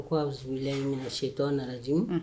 A ko a zlayi setɔ nanaj